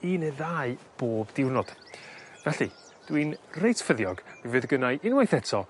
un ne' ddau bob diwrnod. Felly dwi'n reit ffyddiog fe fyd gynnai unwaith eto